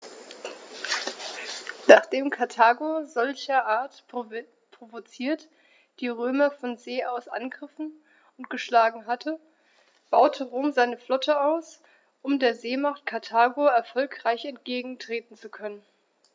Nachdem Karthago, solcherart provoziert, die Römer von See aus angegriffen und geschlagen hatte, baute Rom seine Flotte aus, um der Seemacht Karthago erfolgreich entgegentreten zu können.